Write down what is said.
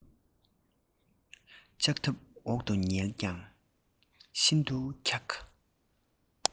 ལྕགས ཐབ འོག ཏུ ཉལ ཡང ཤིན ཏུ འཁྱགས